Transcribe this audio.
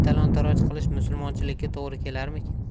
talon toroj qilish musulmonchilikka to'g'ri kelarmikin